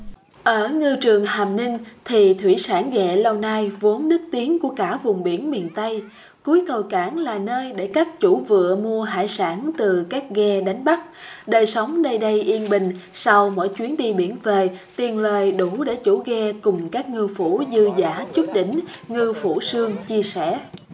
ở ngư trường hàm ninh thì thủy sản ghẻ lâu nay vốn nức tiếng của cả vùng biển miền tây cuối cầu cảng là nơi để các chủ vựa mua hải sản từ các ghe đánh bắt đời sống nơi đây yên bình sau mỗi chuyến đi biển về tiền lời đủ để chủ ghe cùng các ngư phủ dư dả chút đỉnh ngư phủ sương chia sẻ